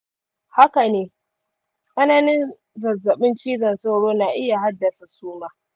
haka ne, tsananin zazzabin cizon sauro na iya haddasa suma.